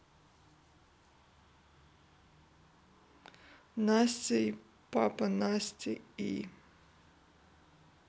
настя и папа настя и